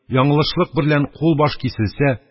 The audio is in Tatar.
Яңлышлык берлән кул-баш киселсә,